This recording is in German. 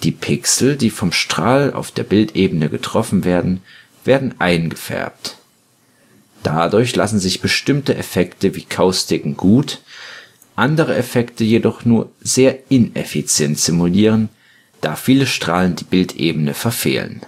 Pixel, die vom Strahl auf der Bildebene getroffen werden, werden eingefärbt. Dadurch lassen sich bestimmte Effekte wie Kaustiken gut, andere Effekte jedoch nur sehr ineffizient simulieren, da viele Strahlen die Bildebene verfehlen